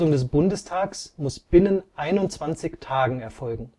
des Bundestags muss binnen einundzwanzig Tagen erfolgen